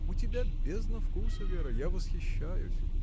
У тебя бездна вкуса, Вера, я восхищаюсь!